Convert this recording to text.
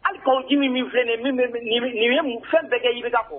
Hali kanjimi min filɛ fɛn bɛɛ kɛ ida ko